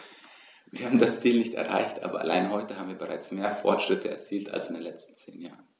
Wir haben das Ziel nicht erreicht, aber allein heute haben wir bereits mehr Fortschritte erzielt als in den letzten zehn Jahren.